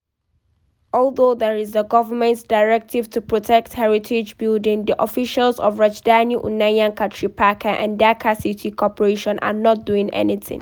Although there is a government directive to protect heritage buildings, the officials of Rajdhani Unnayan Kartripakkha and Dhaka City Corporation are not doing anything.